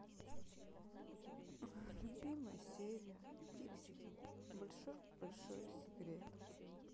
любимая серия фиксики большой большой секрет